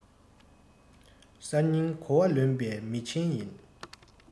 གསར རྙིང གོ བ ལོན པའི མི ཆེན ཡིན